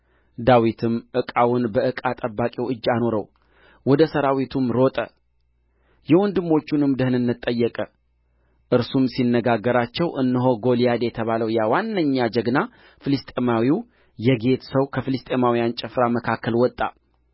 ዳዊትም ዕቃውን በዕቃ ጠባቂው እጅ አኖረው ወደ ሠራዊቱም ሮጠ የወንድሞቹንም ደኅንነት ጠየቀ እርሱም ሲነጋገራቸው እነሆ ጎልያድ የተባለው ያ ዋነኛ ጀግና ፍልስጥኤማዊ የጌት ሰው ከፍልስጥኤማውያን ጭፍራ መካከል ወጣ